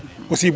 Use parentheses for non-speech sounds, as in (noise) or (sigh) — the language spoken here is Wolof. (hesitation) (hesitation)